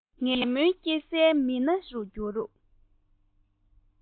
ངའི ཆེས ཡིད སྨོན སྐྱེ སའི མི སྣ རུ གྱུར